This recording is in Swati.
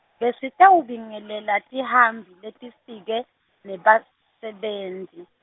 besitewubingelela tihambi letifike, nebasebenti.